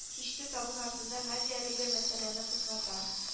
Кичке табын артында надя әлеге мәсьәләне кузгата